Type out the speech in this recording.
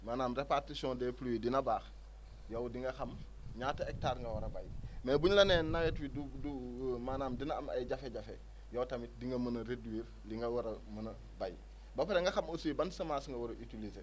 maanaam répartition des pluies dina baax yow di nga xam ñaata hectares nga war a béy mais bu ñu la nee nawet wi du du du maanaam dina am ay jafe-jafe yow tamit di nga mën a réduire li nga war a mën a béy ba pare nga xam aussi ban semence nga war a utiliser